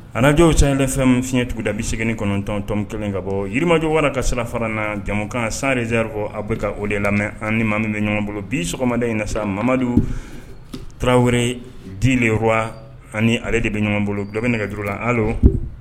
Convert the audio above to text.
Ajw caman bɛ fɛn fiɲɛyɛnugu da bi segingin kɔnɔntɔntɔn kelen ka bɔ yirimajɔwa ka sira fara na jamumukan sanzekɔrɔ a bɛ ka o de lamɛn ani mama bɛ ɲɔgɔn bolo bi sɔgɔmada in na sa mamadumadu tarawele diwa ani ale de bɛ ɲɔgɔn bolo dɔ bɛ nɛgɛ ka d la hali